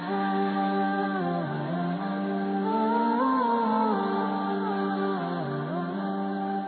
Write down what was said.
Wa